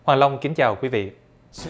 họa long kính chào quý vị